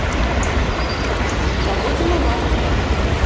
погода на март